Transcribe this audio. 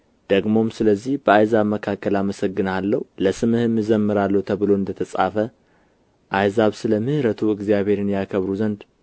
ደግሞም ስለዚህ በአሕዛብ መካከል አመሰግንሃለሁ ለስምህም እዘምራለሁ ተብሎ እንደ ተጻፈ አሕዛብ ስለ ምሕረቱ እግዚአብሔርን ያከብሩ ዘንድ